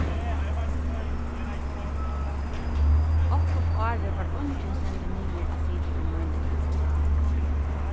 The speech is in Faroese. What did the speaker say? okkurt árið var eingin sendur niður at sita í míni tíð